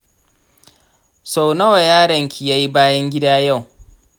sau nawa yaron ki yayi bayan gida yau?